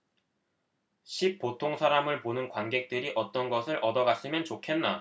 십 보통사람을 보는 관객들이 어떤 것을 얻어갔으면 좋겠나